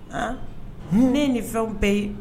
Han. Ne ye nin fɛnw bɛɛ ye.